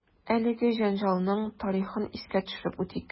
Әлеге җәнҗалның тарихын искә төшереп үтик.